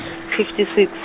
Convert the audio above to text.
sixty six.